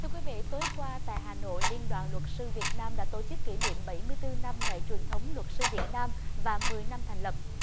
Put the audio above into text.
thưa quý vị tối qua tại hà nội liên đoàn luật sư việt nam đã tổ chức kỷ niệm bảy mươi tư năm ngày truyền thống luật sư việt nam và mười năm thành lập